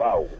waaw